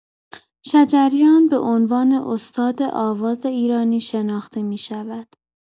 شجریان به عنوان استاد آواز ایرانی شناخته می‌شود.